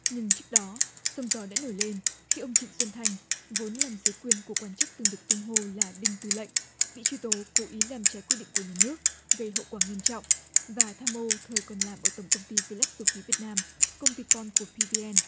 nhưng trước đó sóng gió đã nổi lên khi ông trịnh xuân thanh vốn nằm dưới quyền của quan chức từng được tung hô là đinh tư lệnh bị truy tố cố ý làm trái quy định của nhà nước gây hậu quả nghiêm trọng và tham ô thời còn làm ở tổng công ty xây lắp dầu khí việt nam công ty con của pvn